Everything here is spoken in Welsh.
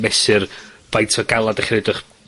mesur faint o galad 'dach chi'n roid 'ych